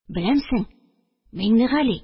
Беләмсең, Миңнегали?